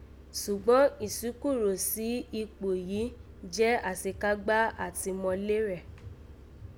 Ṣùgbán ìsíkúrò sí ikpò yìí jẹ́ àsekágbá àtìmọ́lé rẹ̀